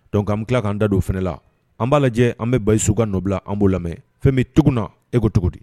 Dɔnkuc ka tila k'an da don fana la an b'a lajɛ an bɛ basi su ka nɔbila an b'o lamɛn fɛn bɛ tugun na eko cogo di